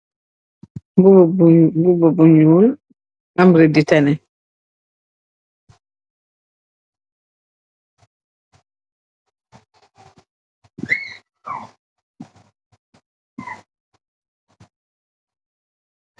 Mboba bu, mboba nyul am radi taneh.